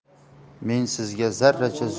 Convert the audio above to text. men sizga zarracha